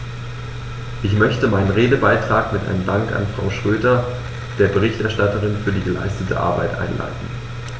Ich möchte meinen Redebeitrag mit einem Dank an Frau Schroedter, der Berichterstatterin, für die geleistete Arbeit einleiten.